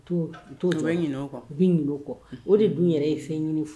U ɲini kɔ u bɛ don kɔ o de dun yɛrɛ ye fɛn ɲini fɔ